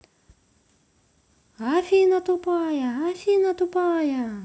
афина тупая афина тупая